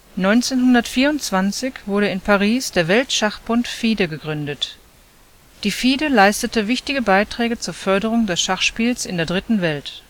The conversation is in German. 1924 wurde in Paris der Weltschachbund FIDE gegründet. Die FIDE leistete wichtige Beiträge zur Förderung des Schachspiels in der Dritten Welt